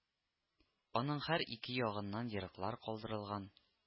Аның һәр ике ягыннан ерыклар калдырылган